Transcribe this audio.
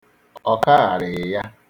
Ọ kagharịghị ya.